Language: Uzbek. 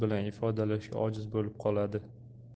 bilan ifodalashga ojiz bo'lib qoladi